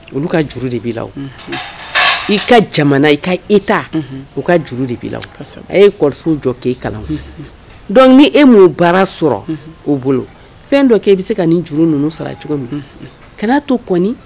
Olu ka juru de b'i la i ka jamana i ka e ta ka juru de kɔlɔsiso jɔ k' kalan dɔnku ni e'o baara sɔrɔ o bolo fɛn dɔ k' e bɛ se ka juru ninnu sara cogo min ka to